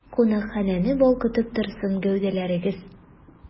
Кунакханәне балкытып торсын гәүдәләрегез!